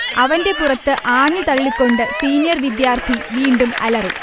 അവന്റെ പുറത്ത് ആഞ്ഞ് തള്ളിക്കൊണ്ടു സീനിയർ വിദ്യാർത്ഥി വീണ്ടും അലറി